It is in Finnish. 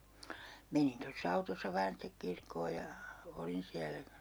menin tuossa autossa vain sitten kirkkoon ja olin siellä